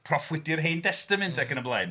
Proffwydi'r Hen Destament ag yn yr blaen.